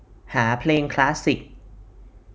หาเพลงคลาสสิค